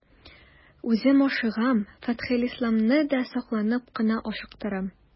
Үзем ашыгам, Фәтхелисламны да сакланып кына ашыктырам.